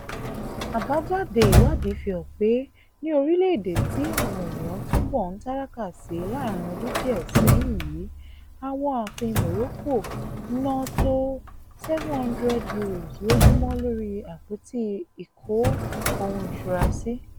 Àbájade iwadìí fi hàn pé ní orílẹ̀-èdè tí àwọn eèyàn túbọ̀ ń tálákà si láàáarín ọdún díẹ̀ sẹ́yìn yìí, àwọn aàfin Morocco n ná tó 700,000 Euros lójúmọ́ lórí àpótí ìkó-ohun-ìṣura sí.